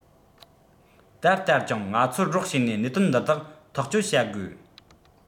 དལ དལ ཀྱང ང ཚོར རོགས བྱེད ནས གནད དོན འདི དག ཐག གཅོད བྱ དགོས